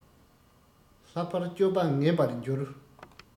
ལྷག པར སྤྱོད པ ངན པར འགྱུར